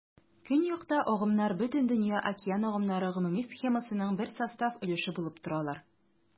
Көньякта агымнар Бөтендөнья океан агымнары гомуми схемасының бер состав өлеше булып торалар.